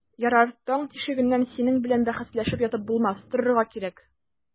Ярар, таң тишегеннән синең белән бәхәсләшеп ятып булмас, торырга кирәк.